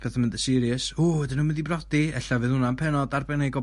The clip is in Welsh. pethe'n mynd yn serious ww ydyn nw'n mynd i briodi ella fydd wnna'n pennod arbennig o...